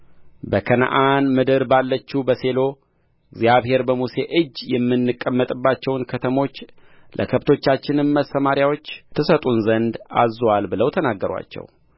በከነዓን ምድር ባለችው በሴሎ እግዚአብሔር በሙሴ እጅ የምንቀመጥባቸውን ከተሞች ለከብቶቻችንም መሰምርያዎች ትሰጡን ዘንድ አዝዞአል ብለው ተናገሩአቸው